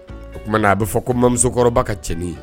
O tumaumana na a bɛ fɔ ko ma musokɔrɔbakɔrɔba ka cɛnin ye